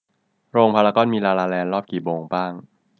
โรงพารากอนมีลาลาแลนด์รอบกี่โมงบ้าง